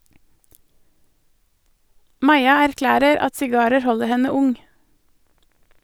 Maja erklærer at sigarer holder henne ung.